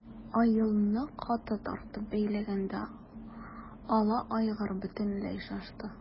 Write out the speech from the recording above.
Аелны каты тартып бәйләгәндә ала айгыр бөтенләй шашты.